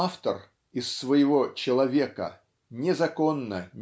Автор из своего Человека незаконно